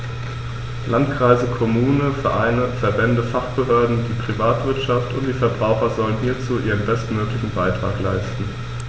Landkreise, Kommunen, Vereine, Verbände, Fachbehörden, die Privatwirtschaft und die Verbraucher sollen hierzu ihren bestmöglichen Beitrag leisten.